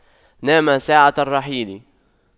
نام ساعة الرحيل